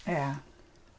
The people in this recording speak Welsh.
Ie.